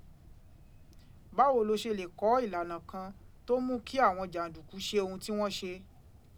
Báwo lo ṣe lè kọ ìlànà kan tó mú kí àwọn jàǹdùkú ṣe ohun tí wọ́n ṣe?